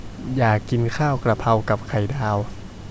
อยากกินข้าวกะเพรากับไข่ดาว